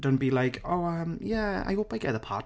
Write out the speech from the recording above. Don't be like "oh uhm yeah I hope I get the part".